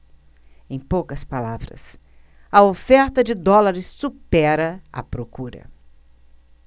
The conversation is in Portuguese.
em poucas palavras a oferta de dólares supera a procura